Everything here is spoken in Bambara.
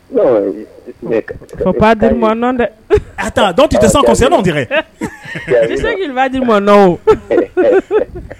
Di tɛ tɛ saji